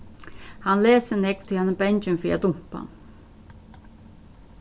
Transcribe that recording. hann lesur nógv tí hann er bangin fyri at dumpa